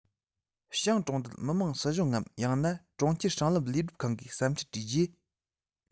ཞང གྲོང བརྡལ མི དམངས སྲིད གཞུང ངམ ཡང ན གྲོང ཁྱེར སྲང ལམ ལས སྒྲུབ ཁང གིས བསམ འཆར བྲིས རྗེས